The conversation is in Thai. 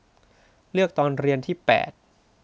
เลือกตอนเรียนที่แปด